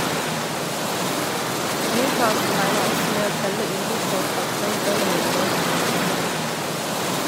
Newcastle regner også med å selge urokråka Craig Bellamy i løpet av sommeren.